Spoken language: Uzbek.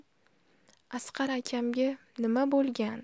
asqar akamga nima bo'lgan